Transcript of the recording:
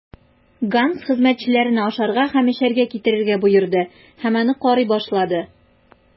Ганс хезмәтчеләренә ашарга һәм эчәргә китерергә боерды һәм аны карый башлады.